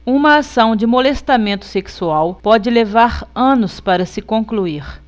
uma ação de molestamento sexual pode levar anos para se concluir